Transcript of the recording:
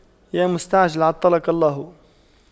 يا مستعجل عطلك الله